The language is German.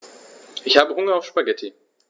Ich habe Hunger auf Spaghetti.